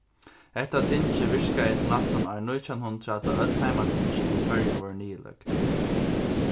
hetta tingið virkaði til næstan ár nítjan hundrað tá øll heimatingini í føroyum vórðu niðurløgd